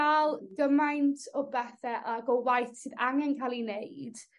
...dal gymaint o bethe ag o waith sydd angen ca'l 'i neud